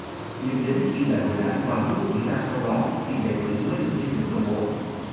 nhưng đến khi đại hội đảng toàn quốc diễn ra sau đó thì đề cử mới được chính thức công bố